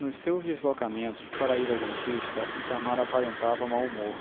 nos seus deslocamentos para ir ao dentista itamar aparentava mau humor